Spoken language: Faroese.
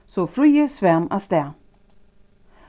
so fríði svam avstað